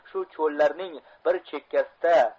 shu cho'llarning bir chekkasida